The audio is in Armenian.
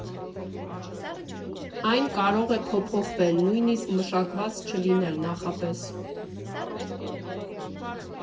Այն կարող է փոփոխվել, նույնիսկ մշակված չլինել նախապես։